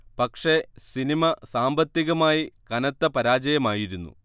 പക്ഷേ സിനിമ സാമ്പത്തികമായി കനത്ത പരാജയമായിരുന്നു